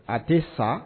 A tɛ san